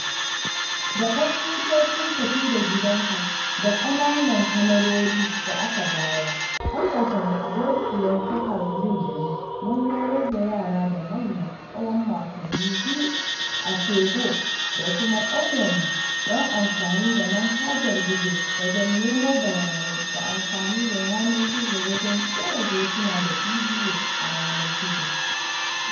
Da kwamfutocin tafi-da-gidanka da ƙananan kyamarori da aka bayar, Albertine, abokiyar ta Caroline da ni mun horar da yara da manya tsawon makonni biyu, a Ségou da kuma ƙauyenmu, don amfani da manhajar Google wajen nemo bayanai, da amfani da yanar gizo wajen ɗora hotuna da bidiyo a yanar gizo .